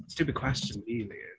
Stupid question really.